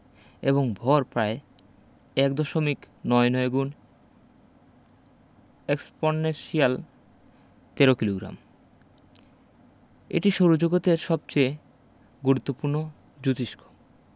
এবং ভর প্রায় এক দশমিক নয় নয় গুন এক্সপনেশিয়াল ১৩ কিলুগ্রাম এটি সৌরজগতের সবচেয়ে গুরুত্বপূর্ণ জোতিষ্ক